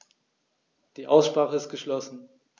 Die Aussprache ist geschlossen.